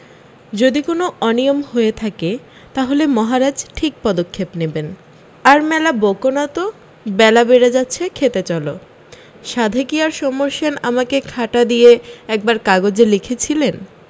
যদি কোনো অনিয়ম হয়ে থাকে তাহলে মহারাজ ঠিক পদক্ষেপ নেবেন আর মেলা বোকো না তো বেলা বেড়ে যাচ্ছে খেতে চল সাধে কী আর সমর সেন আমাকে খাঁটা দিয়ে একবার কাগজে লিখেছিলেন